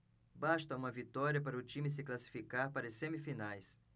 basta uma vitória para o time se classificar para as semifinais